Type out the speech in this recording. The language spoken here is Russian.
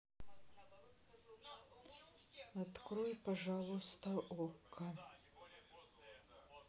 открой пожалуйста окко